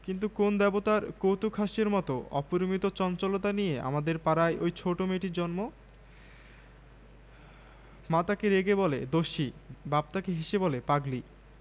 কিন্তু কোন দেবতার কৌতূকহাস্যের মত অপরিমিত চঞ্চলতা নিয়ে আমাদের পাড়ায় ঐ ছোট মেয়েটির জন্ম মা তাকে রেগে বলে দস্যি বাপ তাকে হেসে বলে পাগলি